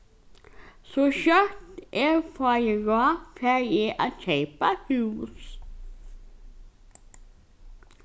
so skjótt eg fái ráð fari eg at keypa hús